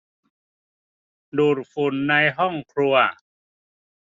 ดูดฝุ่นในห้องครัว